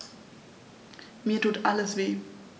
Mir tut alles weh.